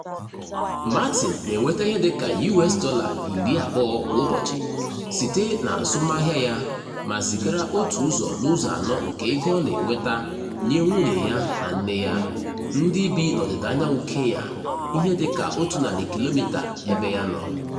Martin na-enweta ihe dị ka US $20 kwa ụbọchị site n'azụmaahịa ya ma zịgara otu ụzọ n'ụzọ anọ nke ego ọ na-enweta nye nwunye ya na nne ya, ndị bi n'ọdịdaanyanwụ Kenya, ihe dịka 100 kilomita ebe ya nọ.